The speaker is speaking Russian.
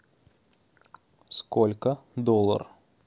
сколько доллар